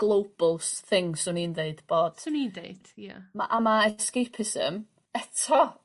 global s- thing 'swn i'n deud bod... 'Swn i'n deud ia. ...ma' a ma' escapeism eto